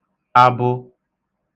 abụ